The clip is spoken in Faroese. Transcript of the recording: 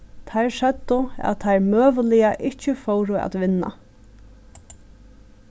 teir søgdu at teir møguliga ikki fóru at vinna